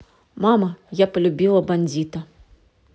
мама я полюбила бандита